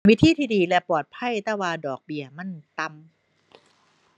วิธีที่ดีและปลอดภัยแต่ว่าดอกเบี้ยมันต่ำ